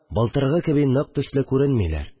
Былтыргы кеби нык төсле күренмиләр